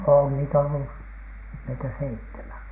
on niitä ollut meitä seitsemän